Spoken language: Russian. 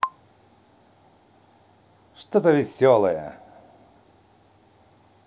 что то веселое